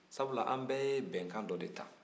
sabula an bɛɛ ye bɛnkan dɔ de ta